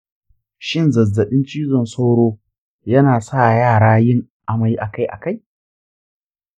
shin zazzabin cizon sauro yana sa yara yin amai akai-akai?